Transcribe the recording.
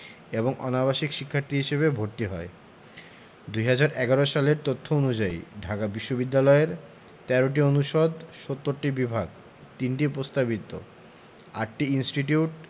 এবং অনাবাসিক শিক্ষার্থী হিসেবে ভর্তি হয় ২০১১ সালের তথ্য অনুযায়ী বিশ্ববিদ্যালয়ের ১৩টি অনুষদ ৭০টি বিভাগ ৩টি প্রস্তাবিত ৮টি ইনস্টিটিউট